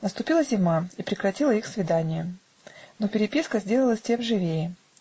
Наступила зима и прекратила их свидания; но переписка сделалась тем живее.